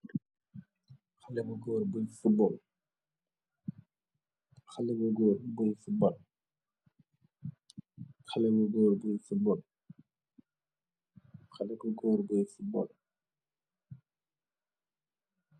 Xalèh bu gór bui futbol.